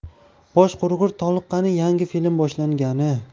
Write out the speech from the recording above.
bosh qurg'ur toliqqani yangi film boshlangani